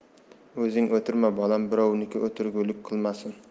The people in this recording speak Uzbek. o'zing o'tirma bolam birovni o'tirgulik qilmasin